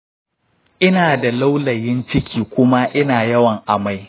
ina da lawlayin cikikuma ina yawan amai